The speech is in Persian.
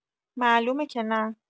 معلومه که نه.